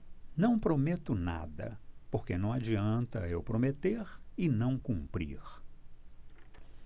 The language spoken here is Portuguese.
não prometo nada porque não adianta eu prometer e não cumprir